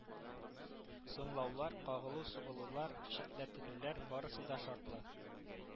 Соңлаулар, кагылу-сугылулар, читләтеләләр барысы да шартлы